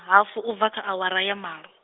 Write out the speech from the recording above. hafu ubva kha awara ya malo.